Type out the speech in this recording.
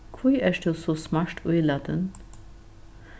hví ert tú so smart ílatin